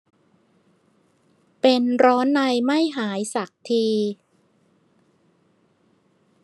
เป็นร้อนในไม่หายสักที